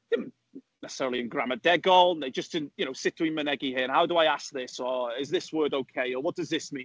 Ddim necessarily un gramadegol, neu jyst un, you know, sut dwi'n mynegi hyn, how do I ask this, or is this word okay, or what does this mean?